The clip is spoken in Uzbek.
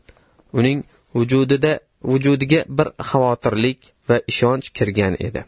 uning vujudiga bir bexavotirlik va ishonch kirgan edi